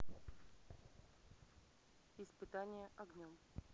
испытание огнем